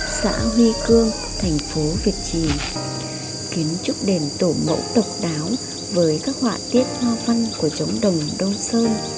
xã hy cương thành phố việt trì kiến trúc đền tổ mẫu độc đáo với các họa tiết hoa văn của trống đồng đông sơn